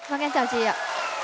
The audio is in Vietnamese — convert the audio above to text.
vâng em chào chị ạ